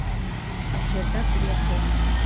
чердак греция